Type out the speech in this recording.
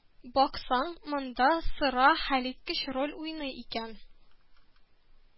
Баксаң, монда сыра хәлиткеч роль уйный икән